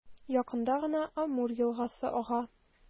Якында гына Амур елгасы ага.